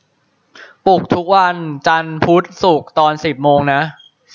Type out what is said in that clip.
ปลุกทุกวันจันทร์พุธศุกร์ตอนสิบโมงนะ